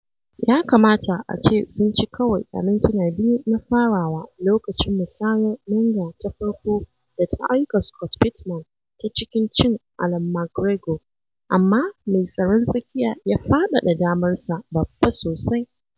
Ya kamata a ce sun ci kawai a mintina biyu na farawa lokacin musayar Menga ta farko da ta aika Scott Pittman ta cikin cin Allan McGregor amma mai tsaron tsakiya ya faɗaɗa damarsa babba sosai.